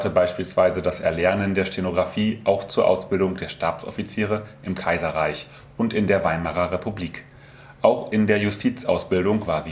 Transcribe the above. beispielsweise das Erlernen der Stenografie auch zur Ausbildung der Stabsoffiziere im Kaiserreich und in der Weimarer Republik. Auch in der Justizausbildung war